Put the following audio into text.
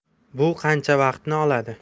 bu qancha vaqtni oladi